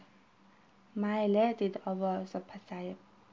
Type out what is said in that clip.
mayli dedi ovozi pasayib